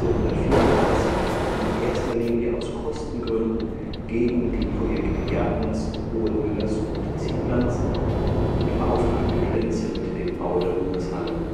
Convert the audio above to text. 1834, in erster Linie aus Kostengründen, gegen die Projekte Gärtners, Ohlmüllers und Zieblands und beauftragte Klenze mit dem Bau der Ruhmeshalle